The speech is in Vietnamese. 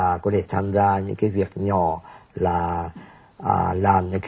có thể tham gia những cái việc nhỏ là ở làm những